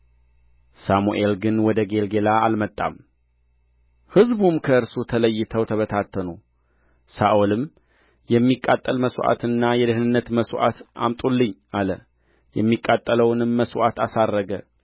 ሳሙኤል ግን ወደ ጌልገላ አልመጣም ሕዝቡም ከእርሱ ተለይተው ተበታተኑ ሳኦልም የሚቃጠል መሥዋዕትና የደኅንነት መሥዋዕት አምጡልኝ አለ የሚቃጠለውንም መሥዋዕት አሳረገ